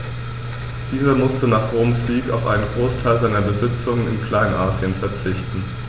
Dieser musste nach Roms Sieg auf einen Großteil seiner Besitzungen in Kleinasien verzichten.